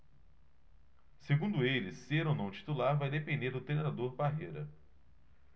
segundo ele ser ou não titular vai depender do treinador parreira